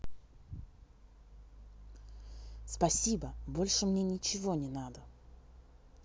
спасибо больше мне ничего не надо